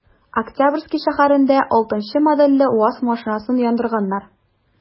Октябрьский шәһәрендә 6 нчы модельле ваз машинасын яндырганнар.